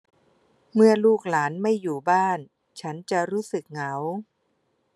เมื่อลูกหลานไม่อยู่บ้านฉันจะรู้สึกเหงา